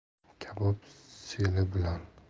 kabob seli bilan